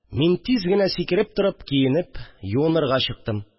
Мин тиз генә сикереп торып, киенэп, юынырга чыктым